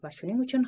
va shuning uchun